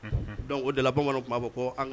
Dɔnku o dala bamanan tun b fɔ